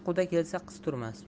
quda kelsa qiz turmas